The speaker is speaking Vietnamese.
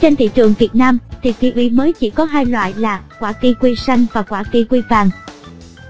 trên thị trường việt nam thì kiwi mới chỉ có loại là quả kiwi xanh và quả kiwi vàng